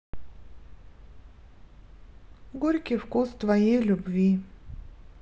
горький вкус твоей любви